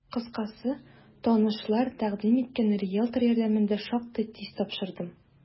Кыскасы, танышлар тәкъдим иткән риелтор ярдәмендә шактый тиз тапшырдым.